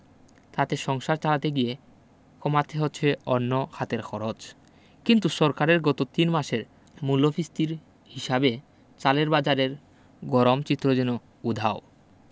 তাতে সংসার চালাতে গিয়ে কমাতে হচ্ছে অন্য খাতের খরচ কিন্তু সরকারের গত তিন মাসের মূল্যস্ফীতির হিসাবে চালের বাজারের গরম চিত্র যেন উধাও